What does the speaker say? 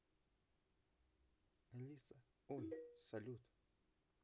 алиса ой салют